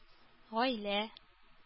Гаилә